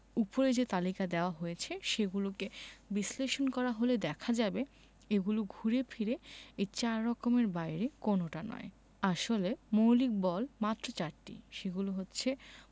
ওপরে যে তালিকা দেওয়া হয়েছে সেগুলোকে বিশ্লেষণ করা হলে দেখা যাবে এগুলো ঘুরে ফিরে এই চার রকমের বাইরে কোনোটা নয় আসলে মৌলিক বল মাত্র চারটি সেগুলো হচ্ছে